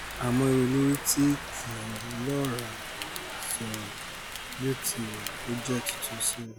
Àmọ́ irú olórí tí kì í lọ́ra sọ̀rọ̀ bí ó ti wù ú kò jẹ́ tuntun sí wa.